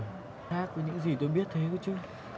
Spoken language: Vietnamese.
khác với những gì tôi biết thế cơ chứ